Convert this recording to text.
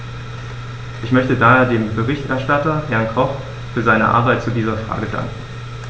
Ich möchte daher dem Berichterstatter, Herrn Koch, für seine Arbeit zu dieser Frage danken.